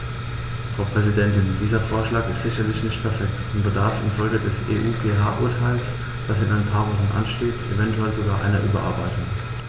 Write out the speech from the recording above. Frau Präsidentin, dieser Vorschlag ist sicherlich nicht perfekt und bedarf in Folge des EuGH-Urteils, das in ein paar Wochen ansteht, eventuell sogar einer Überarbeitung.